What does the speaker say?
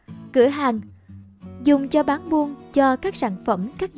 cửa hàng dùng cho bán buôn cho các sản phẩm các dịch vụ